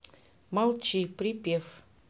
молчи припев